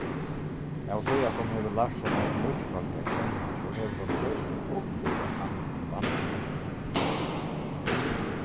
av tí at hon hevur lært so nógv nýggj fólk at kenna so hevur hon eisini upplivað annað enn vanligt